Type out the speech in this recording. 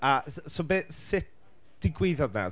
A, s- so be... sut digwyddodd 'na?